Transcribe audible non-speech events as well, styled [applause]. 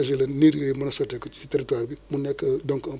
wala manioc tamit manioc mooy mboq loolu mooy kii [hesitation]